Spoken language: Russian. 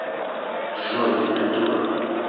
джой ты придурок